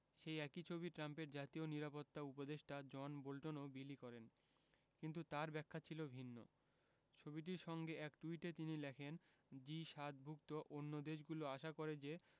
সেই একই ছবি ট্রাম্পের জাতীয় নিরাপত্তা উপদেষ্টা জন বোল্টনও বিলি করেন কিন্তু তাঁর ব্যাখ্যা ছিল ভিন্ন ছবিটির সঙ্গে এক টুইটে তিনি লেখেন জি ৭ ভুক্ত অন্য দেশগুলো আশা করে যে